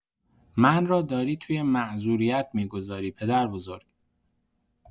من راداری توی معذوریت می‌گذاری پدربزرگ.